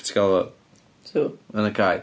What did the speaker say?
Be ti'n galw fo... Sŵ? ...Yn y cae.